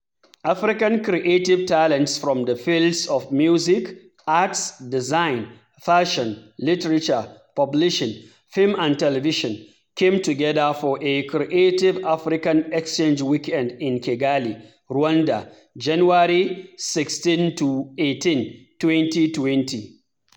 African creative talents from the fields of music, arts, design, fashion, literature, publishing, film and television came together for a Creative Africa Exchange Weekend in Kigali, Rwanda, January 16-18, 2020.